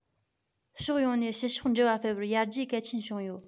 ཕྱོགས ཡོངས ནས ཕྱི ཕྱོགས འབྲེལ བ སྤེལ བར ཡར རྒྱས གལ ཆེན བྱུང ཡོད